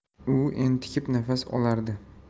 u entikib nafas olardi